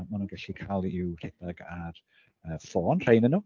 ac maen nhw'n gallu cael i'w rhedeg ar y ffôn rhai ohonyn nhw.